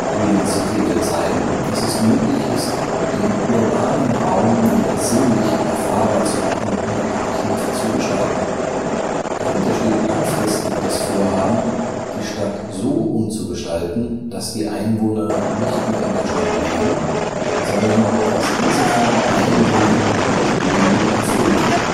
Green City will zeigen, dass es möglich ist, den urbanen Raum wieder sinnlich erfahrbar zu machen und aktiv zu gestalten. Dahinter steht langfristig das Vorhaben, die Stadt so umzugestalten, dass die Einwohner nicht nur in der Stadt leben, sondern dass diese von den Einwohnern mit Leben erfüllt wird